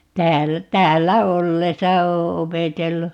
täällä täällä ollessa olen opetellut